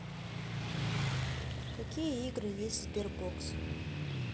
какие игры есть sberbox